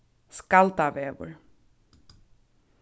skaldavegur